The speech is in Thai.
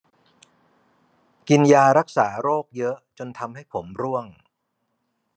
กินยารักษาโรคเยอะจนทำให้ผมร่วง